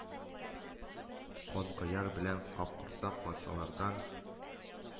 Канкояр белән Капкорсак патшалардан